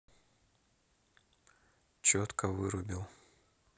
четко вырубил